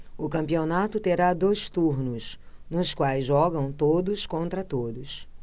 o campeonato terá dois turnos nos quais jogam todos contra todos